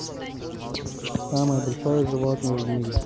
самое большое животное в мире